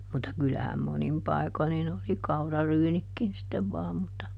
mutta kyllähän monin paikoin niin oli kauraryynitkin sitten vain mutta